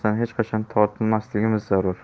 hech qachon tortinmasligimiz zarur